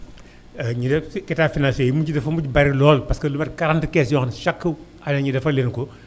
ñu def état financier yi ñi ci deful mujj bari lool parce que lu mot 40 kees yoo xam ne chaque année ñu defal leen ko